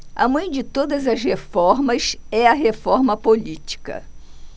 a mãe de todas as reformas é a reforma política